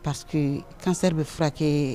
Parce que kansɛri de bɛ furakɛke